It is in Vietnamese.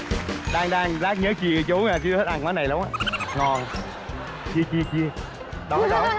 đan đan lát nhớ chia cho chú nha chú thích ăn cái này lắm á ngon chia chia chia đói đói